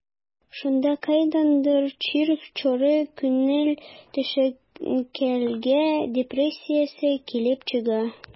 Шунда кайдандыр чир чоры, күңел төшенкелеге, депрессиясе килеп чыга.